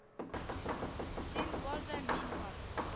Син бар да мин бар